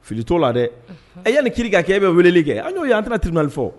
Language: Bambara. Fili t'o la dɛ, unhun, e yani kiiri ka kɛ, e bɛ weleli kɛ an y'o ye an tɛ na tribunal fɔ